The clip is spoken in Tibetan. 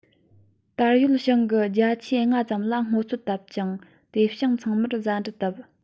དེར ཡོད ཞིང གའི བརྒྱ ཆ ལྔ ཙམ ལ སྔོ ཚལ བཏབ ཅིང དེ བྱིངས ཚང མར བཟའ འབྲུ བཏབ